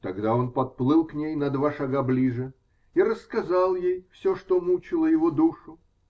Тогда он подплыл к ней на два шага ближе и рассказал ей все, что мучило его душу.